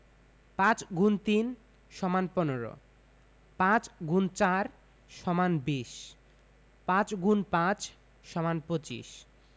৫× ৩ = ১৫ ৫× ৪ = ২০ ৫× ৫ = ২৫